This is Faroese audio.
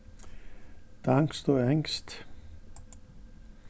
danskt og enskt